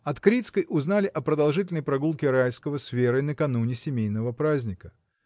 От Крицкой узнали о продолжительной прогулке Райского с Верой накануне семейного праздника.